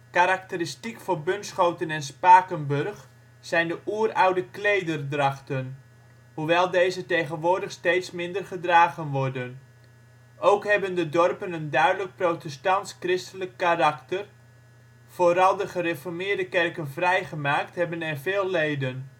Karakteristiek voor Bunschoten en Spakenburg zijn de oeroude klederdrachten, hoewel deze tegenwoordig steeds minder gedragen worden. Ook hebben de dorpen een duidelijk protestants-christelijk karakter; vooral de Gereformeerde Kerken vrijgemaakt hebben er veel leden